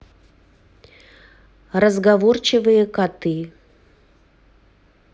разговорчивые коты